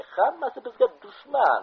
hammasi bizga dushman